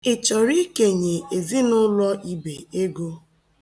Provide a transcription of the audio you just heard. Ị chọrọ ikenye ezinụụlọ Ibe ego?